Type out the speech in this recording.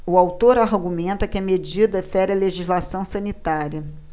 o autor argumenta que a medida fere a legislação sanitária